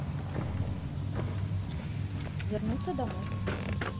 вернуться домой